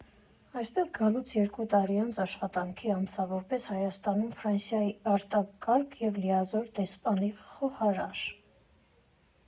Այստեղ գալուց երկու տարի անց աշխատանքի անցա՝ որպես Հայաստանում Ֆրանսիայի արտակարգ և լիազոր դեսպանի խոհարար։